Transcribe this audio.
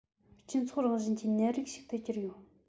སྤྱི ཚོགས རང བཞིན གྱི ནད རིགས ཞིག ཏུ གྱུར ཡོད